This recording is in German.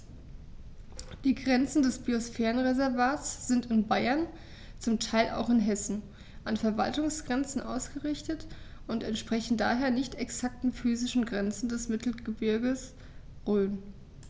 Die Grenzen des Biosphärenreservates sind in Bayern, zum Teil auch in Hessen, an Verwaltungsgrenzen ausgerichtet und entsprechen daher nicht exakten physischen Grenzen des Mittelgebirges Rhön.